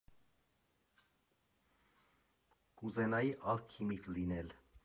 Կուզենայի ալքիմիկ լինել։